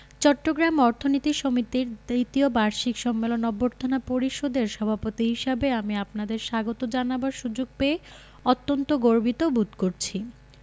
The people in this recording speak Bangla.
চট্টগ্রাম অর্থনীতি সমিতির দ্বিতীয় বার্ষিক সম্মেলন অভ্যর্থনা পরিষদের সভাপতি হিসেবে আমি আপনাদের স্বাগত জানাবার সুযোগ পেয়ে অত্যন্ত গর্বিত বোধ করছি